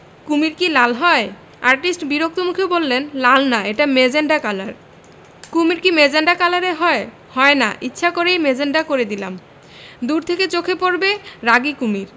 কুমীর কি লাল হয় আর্টিস্ট বিরক্ত মুখে বললেন লাল না এটা মেজেন্টা কালার কুমীর কি মেজেন্টা কালারের হয় হয় না ইচ্ছা করেই মেজেন্টা করে দিলাম দূর থেকে চোখে পড়বে রাগী কুমীর